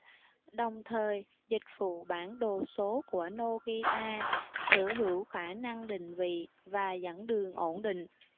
đồng thời dịch vụ bản đồ số của nokia sở hữu khả năng định vị và dẫn đường ổn định